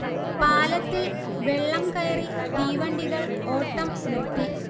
പാലത്തിൽ വെള്ളം കയറി തീവണ്ടികൾ ഓട്ടം നിർത്തി